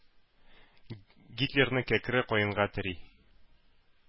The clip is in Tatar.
Гитлерны кәкре каенга тери.